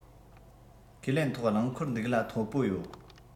ཁས ལེན ཐོག ཁང རླངས འཁོར འདུག གླ མཐོ པོ ཡོད